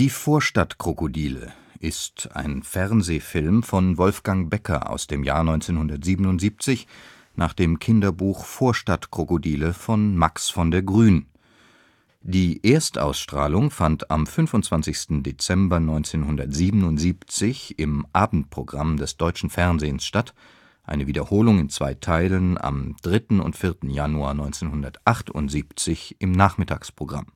Vorstadtkrokodile ist ein Fernsehfilm von Wolfgang Becker aus dem Jahr 1977 nach dem Kinderbuch Vorstadtkrokodile von Max von der Grün. Die Erstausstrahlung fand am 25. Dezember 1977 im Abendprogramm des Deutschen Fernsehens statt, eine Wiederholung in zwei Teilen am 3. und 4. Januar 1978 im Nachmittagsprogramm